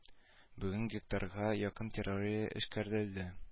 Бүген гектарга якын территория эшкәртелде